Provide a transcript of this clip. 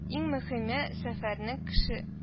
Иң мөһиме – сәфәрнең кеше